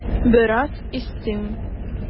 Бераз өстим.